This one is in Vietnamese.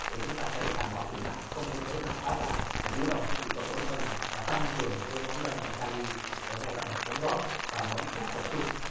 để chúng ta cấy đảm bảo tuổi mạ không nên cấy mạ quá già và chủ động cái kỹ thuật bón phân đã tăng cường cái bón lân và ca li ở giai đoạn bón lót và bón thúc tập trung